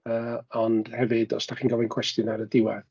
yy ond hefyd os da chi'n gofyn cwestiwn ar y diwedd.